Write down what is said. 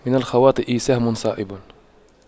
من الخواطئ سهم صائب